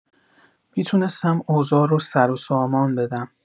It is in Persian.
می‌تونستم اوضاع رو سروسامان بدم.